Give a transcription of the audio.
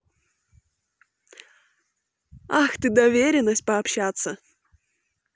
ах ты доверенность пообщаться